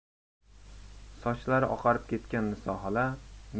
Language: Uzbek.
sochlari oqarib ketgan niso xola